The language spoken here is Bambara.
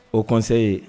O kɔ kosɛbɛ ye